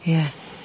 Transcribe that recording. Ie.